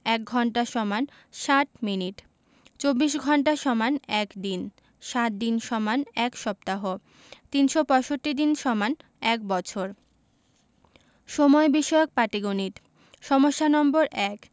১ঘন্টা = ৬০ মিনিট ২৪ ঘন্টা = ১ দিন ৭ দিন = ১ সপ্তাহ ৩৬৫ দিন = ১বছর সময় বিষয়ক পাটিগনিতঃ সমস্যা নম্বর ১